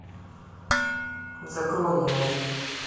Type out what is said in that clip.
закрой не ори